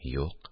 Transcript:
– юк